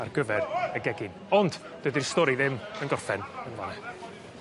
ar gyfer y gegin ond dydi'r stori ddim yn gorffen yn fan 'ne.